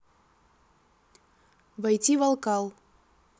войти в алкал